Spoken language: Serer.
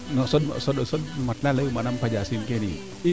non soɗ soɗ matelas leyu manam paƴaasiin